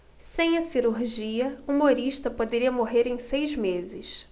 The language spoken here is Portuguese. sem a cirurgia humorista poderia morrer em seis meses